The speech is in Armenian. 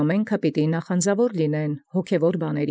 Նախանձաւոր լինել ամենեցուն հոգևորացնե։